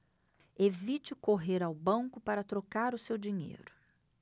evite correr ao banco para trocar o seu dinheiro